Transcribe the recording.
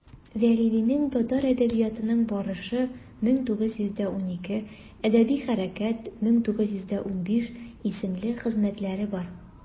Вәлидинең «Татар әдәбиятының барышы» (1912), «Әдәби хәрәкәт» (1915) исемле хезмәтләре.